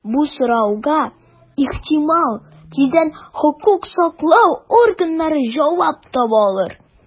Бу сорауга, ихтимал, тиздән хокук саклау органнары җавап таба алыр.